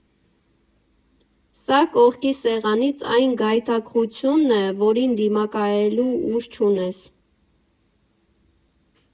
Սա կողքի սեղանից այն գայթակղությունն է, որին դիմակայելու ուժ չունես։